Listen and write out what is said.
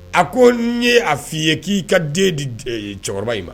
A ko n'i ye a fɔ i ye k'i ka den den di den cɛkɔrɔba in ma